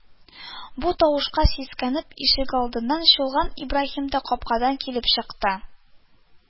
Бу тавышка сискәнеп, ишегалдында чуалган Ибраһим да капкадан килеп чыкты